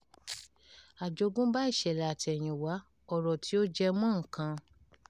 Àjogúnbá Ìṣẹ̀lẹ̀ Àtẹ̀yìnwá —ọ̀rọ̀ tí ò jẹ́ mọ́ nǹkan